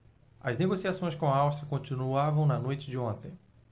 as negociações com a áustria continuavam na noite de ontem